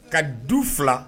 Ka du fila